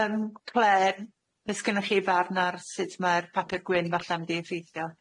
Yym Clare be' sgennoch chi farn ar sut mae'r papur gwyn falla'n mynd i effeithio?